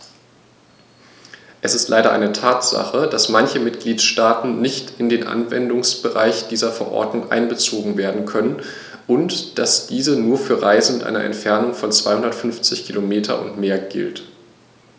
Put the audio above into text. Es ist leider eine Tatsache, dass manche Mitgliedstaaten nicht in den Anwendungsbereich dieser Verordnung einbezogen werden können und dass diese nur für Reisen mit einer Entfernung von 250 km oder mehr gilt.